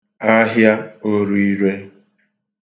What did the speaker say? ahịa ōrire